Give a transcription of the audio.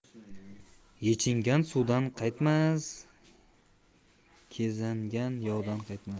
yechingan suvdan qaytmas kezangan yovdan qaytmas